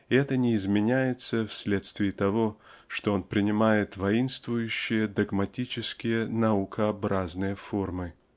и это не изменяется вследствие того что он принимает воинствующие догматические наукообразные формы.